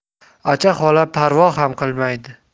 acha xola parvo ham qilmadi